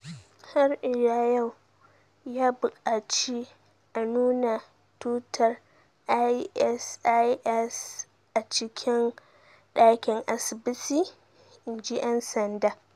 Har ila yau, ya bukaci a nuna tutar Isis a cikin dakin asibiti, in ji 'yan sanda.